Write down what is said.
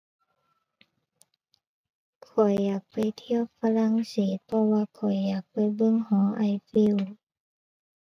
ข้อยอยากไปเที่ยวฝรั่งเศส เพราะว่าข้อยอยากไปเบิ่งหอไอเฟล